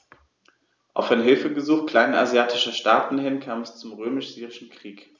Auf ein Hilfegesuch kleinasiatischer Staaten hin kam es zum Römisch-Syrischen Krieg.